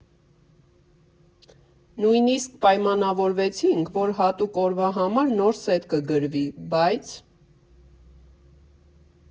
Նույնիսկ պայմանավորվեցին, որ հատուկ օրվա համար նոր սեթ կգրվի, բայց…